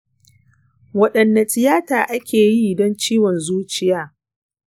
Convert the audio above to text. waɗanne tiyata ake yi don ciwon zuciya?